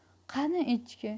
qani echki